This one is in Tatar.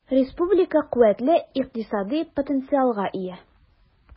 Республика куәтле икътисади потенциалга ия.